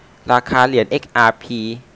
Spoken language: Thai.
ราคาเหรียญเอ็กอาร์พี